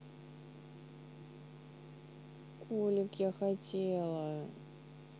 kulik я хотела